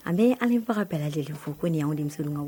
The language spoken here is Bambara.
An bɛ an baga bɛɛ de fo ko ni anw de dun ɲɔgɔn